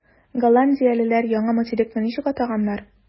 Голландиялеләр яңа материкны ничек атаганнар?